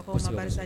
A